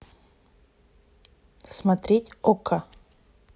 смотреть окко